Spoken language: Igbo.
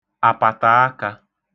àpàtàakā